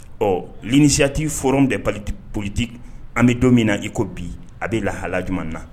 Ɔ l'initiaive forum des partis politiques an bɛ don min na i ko bi, a bɛ lahala jumɛn na?